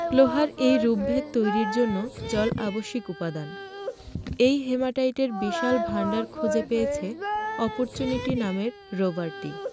লোহার এই রূপভেদ তৈরীর জন্য জল আবশ্যিক উপাদান এই হেমাটাইটের বিশাল ভান্ডার খুঁজে পেয়েছে অপরচুনিটি নামের রোভারটি